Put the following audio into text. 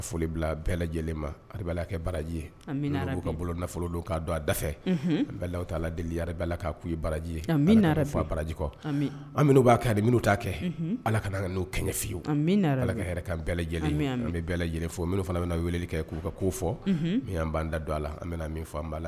Nafolo a da deli ye bara barajikɔ an minnu'a ta kɛ ala ka' ka n'o kɛɲɛ fiye ala bɛɛ lajɛlen n bɛ bɛɛ lajɛlen fo minnu fana bɛ'o wele kɛ k'u ka ko fɔ n'an ban da don a la an fɔ' la